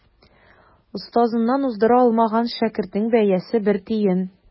Остазыннан уздыра алмаган шәкертнең бәясе бер тиен.